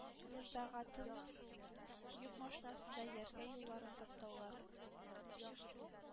Мирдагатаның йөк машинасында Яркәй юлларын таптаулар..